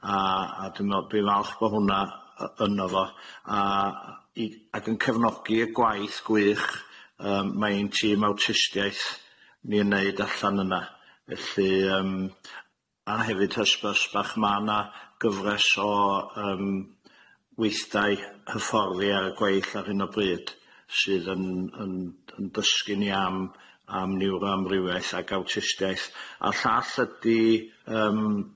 a- a dwi me'wl dwi'n falch bo' hwnna y- y- yno fo a- i ag yn cefnogi y gwaith gwych yym mae'in tîm awtistiaeth ni yn neud allan yna felly yym a hefyd hysbys bach ma' na gyfres o yym weithdai hyfforddi ar y gweill ar hyn o bryd sydd yn- yn- yn dysgu ni am- am niwroamrywiaeth ag awtistiaeth a'r llall ydi yym